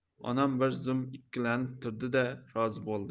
onam bir zum ikkilanib turdi da rozi bo'ldi